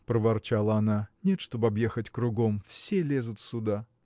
– проворчала она, – нет, чтоб объехать кругом; все лезут сюда.